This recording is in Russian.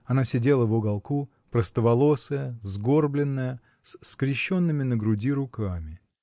она сидела в уголку, простоволосая, сгорбленная, с скрещенными на груди руками.